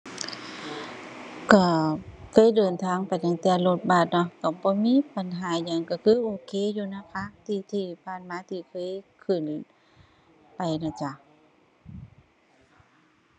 ก็เคยเดินทางไปตั้งแต่รถบัสเนาะ ก็บ่มีปัญหาหยัง ก็คือโอเคอยู่นะคะ ที่ ที่ผ่านมาที่เคยขึ้นไปน่ะจ้ะ